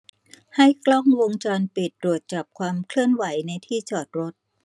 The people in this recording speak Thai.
ให้กล้องวงจรปิดตรวจจับความเคลื่อนไหวในที่จอดรถ